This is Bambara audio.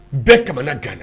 Bɛɛ jamana gan